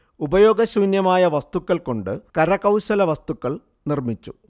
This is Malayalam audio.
ഉപയോഗശൂന്യമായ വസ്തുക്കൾ കൊണ്ട് കരകൗശല വസ്തുക്കൾ നിർമിച്ചു